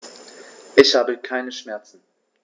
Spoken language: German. Ich habe keine Schmerzen.